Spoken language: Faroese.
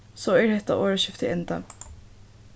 so er hetta orðaskiftið endað